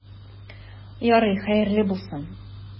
Ярый, хәерле булсын.